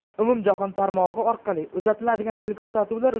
umumjahon tarmog i orqali uzatiladigan teleko'rsatuvlar